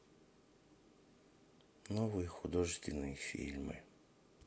новые художественные фильмы